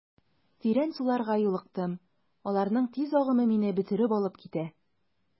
Тирән суларга юлыктым, аларның тиз агымы мине бөтереп алып китә.